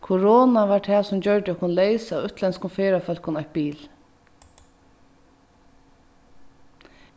korona varð tað sum gjørdi okkum leys av útlendskum ferðafólkum eitt bil